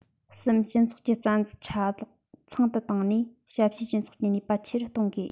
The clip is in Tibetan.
གསུམ སྤྱི ཚོགས ཀྱི རྩ འཛུགས ཆ ལག ཚང དུ བཏང ནས ཞབས ཞུའི སྤྱི ཚོགས ཀྱི ནུས པ ཆེ རུ གཏོང དགོས